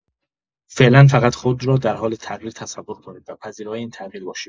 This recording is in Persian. فعلا فقط خود را در حال تغییر تصور کنید و پذیرای این تغییر باشید.